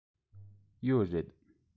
ཡོད རེད